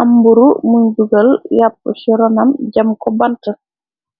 am mburu muñd dugal yàppu ci ronam jam ko bant